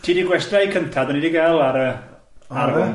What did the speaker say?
Ti di gwestai cynta, dan ni di gael ar y ar hwn. Ar be?